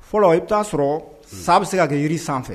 Fɔlɔ i bɛ t'a sɔrɔ san bɛ se ka kɛ yiri sanfɛ.